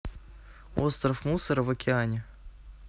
остров мусора в океане